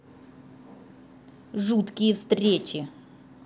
жуткие встречи